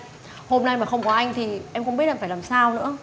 hôm nay mà không có anh thì em không biết em phải làm sao nữa